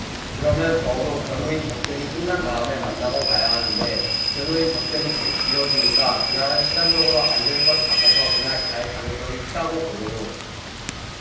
그러면 적어도 변호인 접견이 끝난 다음에 만나고 가야 하는데 변호인 접견이 계속 길어지니까 그날은 시간적으로 안 될 것 같아서 그냥 갈 가능성이 크다고 보고요